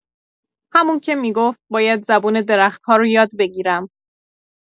همون که می‌گفت باید زبون درخت‌ها رو یاد بگیرم.